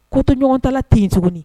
Kotɛɲɔgɔn ta ten yen tuguni